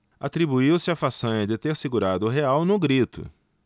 atribuiu-se a façanha de ter segurado o real no grito